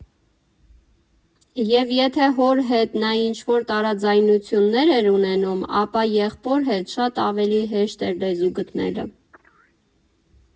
Եվ եթե հոր հետ նա ինչ֊որ տարաձայնություններ էր ունենում, ապա եղբոր հետ շատ ավելի հեշտ էր լեզու գտնելը։